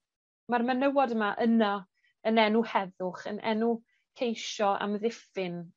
ma'r menywod yma yna yn enw heddwch yn enw ceisio amddiffyn